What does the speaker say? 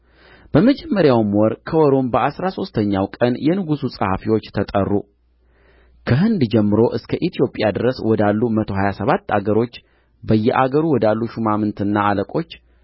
በመጀመሪያውም ወር ከወሩም በአሥራ ሦስተኛው ቀን የንጉሡ ጸሐፊዎች ተጠሩ ከህንድ ጀምሮ እስከ ኢትዮጵያ ድረስ ወዳሉ መቶ ሀያ ሰባት አገሮች በየአገሩ ወዳሉ ሹማምትና አለቆች